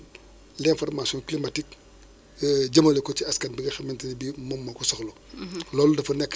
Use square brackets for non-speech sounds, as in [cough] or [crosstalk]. [smacks lips] am na solo dund bi dafa [noise] cher kon nag [hesitation] rek [hesitation] lii day doon rek yërmande yàlla guy wàcc ci jaam yi